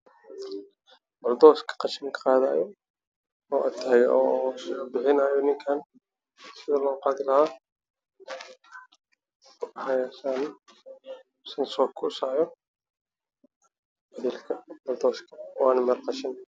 Waa cagaf cagaf midabkeedu yahay jaalo